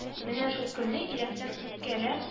Менә шул көлне иләктән үткәләп